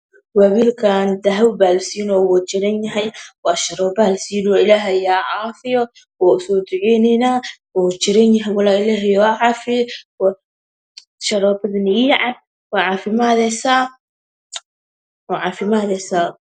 Walikaan daapo baa lazinaayaa wuu jiran yahay sharupaa lazinayaa ilahey hacafiyo waa usoo ducenana wuu jiranyahe wallahey sharoopadane ii cap waa cafimadeesaa